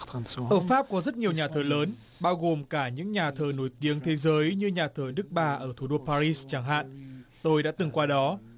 ở pháp có rất nhiều nhà thờ lớn bao gồm cả những nhà thơ nổi tiếng thế giới như nhà thờ đức bà ở thủ đô pa ri chẳng hạn tôi đã từng qua đó